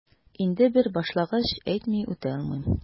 Инде бер башлангач, әйтми үтә алмыйм...